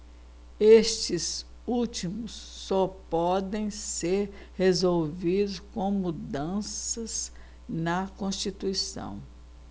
estes últimos só podem ser resolvidos com mudanças na constituição